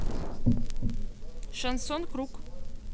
шансон круг